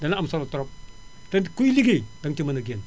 dana am solo trop te kuy liggéey danga ca mën a gñn